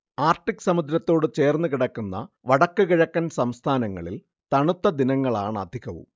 Arctic സമുദ്രത്തോട് ചേർന്നുകിടക്കുന്ന വടക്കു കിഴക്കൻ സംസ്ഥാനങ്ങളിൽ തണുത്ത ദിനങ്ങളാണധികവും